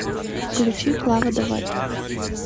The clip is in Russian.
включи клава давай